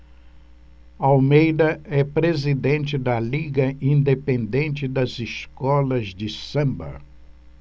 almeida é presidente da liga independente das escolas de samba